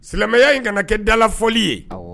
Silamɛya in kana kɛ dalafɔli ye